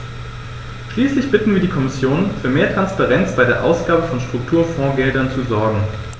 Schließlich bitten wir die Kommission, für mehr Transparenz bei der Ausgabe von Strukturfondsgeldern zu sorgen.